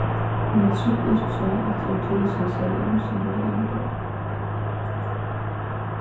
men eg trúgvi ikki at tað eru túsund seyðir sum verða yvirkoyrdir